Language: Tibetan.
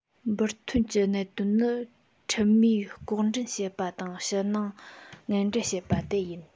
འབུར ཐོན གྱི གནད དོན ནི ཁྲིམས མིས ལྐོག འདྲེན བྱེད པ དང ཕྱི ནང ངན འབྲེལ བྱེད པ དེ ཡིན